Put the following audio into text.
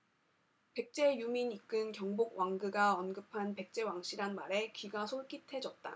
백제 유민 이끈 경복왕그가 언급한 백제왕씨란 말에 귀가 솔깃해졌다